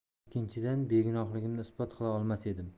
ikkinchidan begunohligimni isbot qila olmas edim